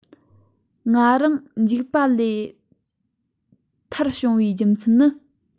ང རང འཇིག པ ལས ཐར བྱུང བའི རྒྱུ མཚན ནི